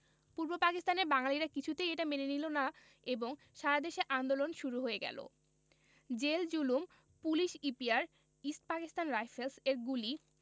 পূর্ব পাকিস্তানের বাঙালিরা কিছুতেই এটা মেনে নিল না এবং সারা দেশে আন্দোলন শুরু হয়ে গেল জেল জুলুম police EPR east Pakistan rifles এর গুলি